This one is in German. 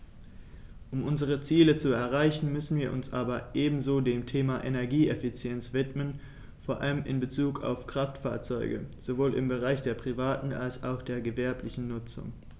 Um unsere Ziele zu erreichen, müssen wir uns aber ebenso dem Thema Energieeffizienz widmen, vor allem in Bezug auf Kraftfahrzeuge - sowohl im Bereich der privaten als auch der gewerblichen Nutzung.